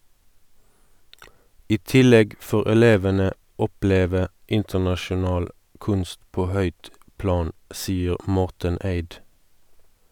I tillegg får elevene oppleve internasjonal kunst på høyt plan, sier Morten Eid.